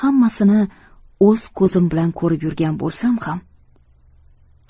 hammasini o'z ko'zim bilan ko'rib yurgan bo'lsam ham